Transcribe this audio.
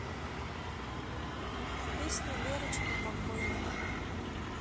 песня лерочка покойник